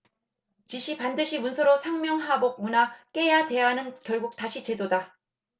지시 반드시 문서로 상명하복 문화 깨야대안은 결국 다시 제도다